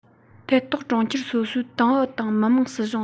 ཐད གཏོགས གྲོང ཁྱེར སོ སོའི ཏང ཨུ དང མི དམངས སྲིད གཞུང དང